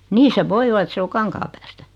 niin se voi olla että se on Kankaanpäästä